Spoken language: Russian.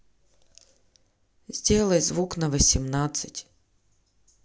сделай звук на восемнадцать